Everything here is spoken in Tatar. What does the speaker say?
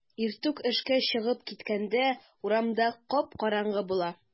Иртүк эшкә чыгып киткәндә урамда кап-караңгы була.